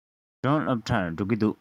ཉི སྒྲོན སློབ གྲྭར འགྲོ གི འདུག